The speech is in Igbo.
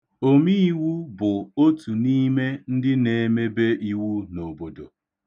Omiiwu bụ otu n'ime ndị na-mebe iwu obodo.